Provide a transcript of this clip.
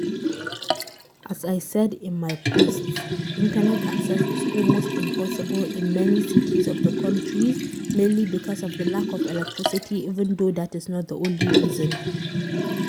As I said in my posts [Fr], internet access is almost impossible in many cities of the country mainly because of the lack of electricity even though that is not the only reason.